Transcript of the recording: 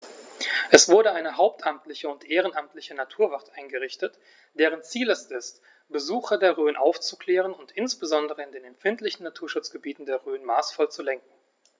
Es wurde eine hauptamtliche und ehrenamtliche Naturwacht eingerichtet, deren Ziel es ist, Besucher der Rhön aufzuklären und insbesondere in den empfindlichen Naturschutzgebieten der Rhön maßvoll zu lenken.